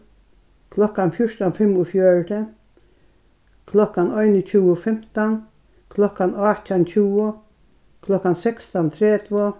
klokkan fjúrtan fimmogfjøruti klokkan einogtjúgu fimtan klokkan átjan tjúgu klokkan sekstan tretivu